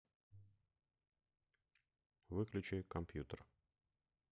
выключи компьютер